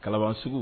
Kalaban sugu